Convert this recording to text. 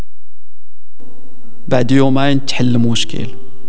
بعد يومين تحل مشكله